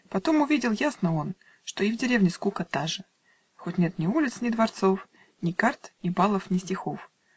Потом увидел ясно он, Что и в деревне скука та же, Хоть нет ни улиц, ни дворцов, Ни карт, ни балов, ни стихов.